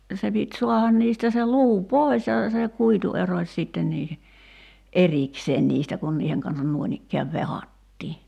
se piti saada niistä se luu pois ja se kuitu erosi sitten niiden erikseen niistä kun niiden kanssa noinikään vehdattiin